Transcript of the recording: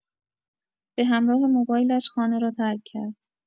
به همراه موبایلش خانه را ترک کرد.